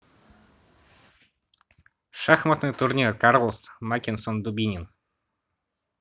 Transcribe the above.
шахматный турнир карлос mackeson дубинин